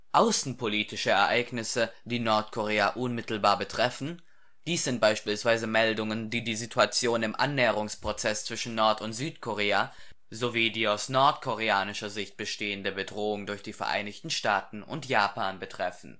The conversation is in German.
Außenpolitische Ereignisse, die Nordkorea unmittelbar betreffen. Dies sind beispielsweise Meldungen, die die Situation im Annäherungsprozess zwischen Nord - und Südkorea sowie die aus nordkoreanische Sicht bestehende Bedrohung durch die Vereinigten Staaten und Japan betreffen